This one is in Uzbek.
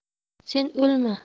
sen o'lma